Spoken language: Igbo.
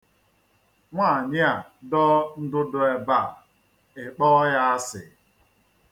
Nwaanyị a dọọ ndụdọ ebe a, ị kpọọ ya asị.